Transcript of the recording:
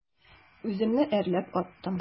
Үземне әрләп аттым.